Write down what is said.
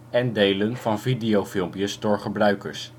en delen van videofilmpjes door gebruikers